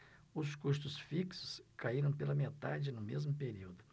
os custos fixos caíram pela metade no mesmo período